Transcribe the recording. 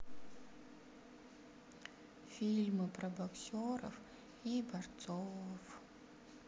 фильмы про боксеров и борцов